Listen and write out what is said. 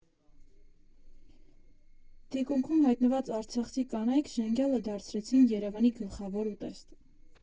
Թիկունքում հայտնված արցախցի կանայք ժենգյալը դարձրեցին Երևանի գլխավոր ուտեստ։